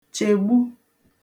chègbu